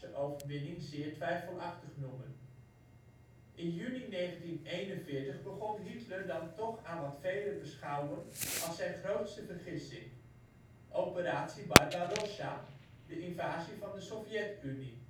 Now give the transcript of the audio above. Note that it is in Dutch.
overwinning zeer twijfelachtig noemen). In juni 1941 begon Hitler dan toch aan wat velen beschouwen als zijn grootste vergissing: operatie Barbarossa, de invasie van de Sovjet-Unie